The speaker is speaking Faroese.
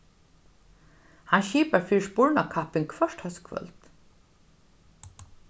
hann skipar fyri spurnakapping hvørt hóskvøld